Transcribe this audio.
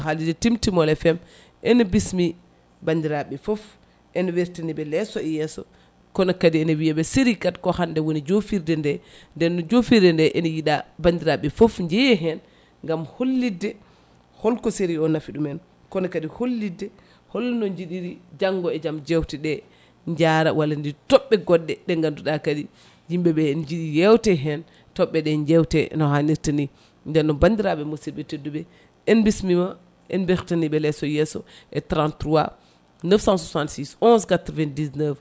haalirde Timtimol FM ene bismi bandirɓe foof ene wertaniɓe leeso e yesso kono kadi ne wiyaɓe série 4 ko hande woni jofirde de nden jofirde nde ene yiiɗa bandiraɓe foof jeeye hen gam hollitde holko série o naafi ɗumen kono kadi hollitde holno jiiɗiri janggo e jaam jewteɗe jaara walla toɓɓe goɗɗe ɗe ganduɗa kadi yimɓeɓe ene jiiɗi yewte hen toɓɓe ɗe jewte no hannirta ni nden noon bandirɓe musidɓe tedduɓe en bismima en bertaniɓe leeso e yesso e 33 966 11 99